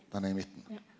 den er i midten.